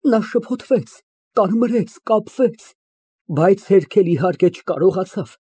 Նա շփոթվեց, կարմրեց, կապվեց, բայց հերքել, իհարկե չկարողացավ։